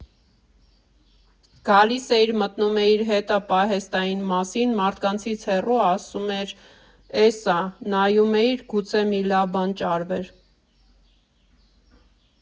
Գալիս էիր, մտնում էիր հետը պահեստային մասին, մարդկանցից հեռու, ասում էր՝ էս ա, նայում էիր, գուցե մի լավ բան ճարվեր։